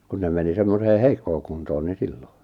kun ne meni semmoiseen heikkoon kuntoon niin silloin